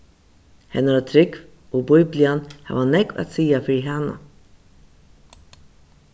hennara trúgv og bíblian hava nógv at siga fyri hana